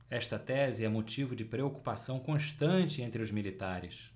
esta tese é motivo de preocupação constante entre os militares